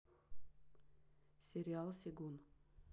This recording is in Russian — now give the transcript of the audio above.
сериал сегун